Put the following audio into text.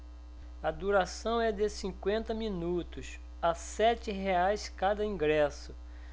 a duração é de cinquenta minutos a sete reais cada ingresso